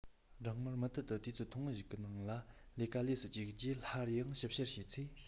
སྦྲང མར མུ མཐུད དུ དུས ཚོད ཐུང ངུ ཞིག གི ནང ལས ཀ ལས སུ བཅུག རྗེས སླར ཡང ཞིབ བཤེར བྱས ཚེ